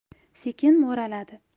sekin mo'raladi